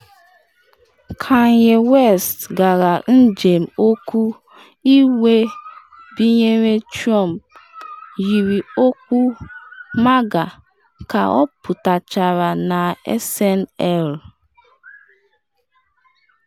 Kanye West Gara Njem Okwu Iwe Binyere Trump, Yiri Okpu MAGA, Ka Ọ Pụtachara na SNL.